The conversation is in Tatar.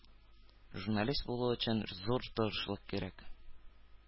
Журналист булу өчен зур тырышлык кирәк.